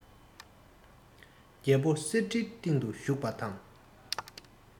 རྒྱལ པོ གསེར ཁྲིའི སྟེང དུ བཞུགས པ དང